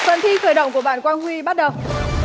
phần thi khởi động của bạn quang huy bắt đầu